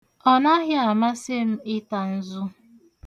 Ọ naghị m amasị ịta nzu.